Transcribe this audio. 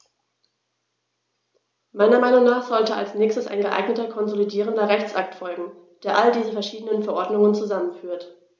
Meiner Meinung nach sollte als nächstes ein geeigneter konsolidierender Rechtsakt folgen, der all diese verschiedenen Verordnungen zusammenführt.